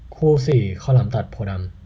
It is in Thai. คู่สี่ข้าวหลามตัดโพธิ์ดำ